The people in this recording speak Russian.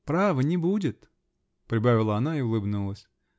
-- Право, не будет, -- прибавила она и улыбнулась.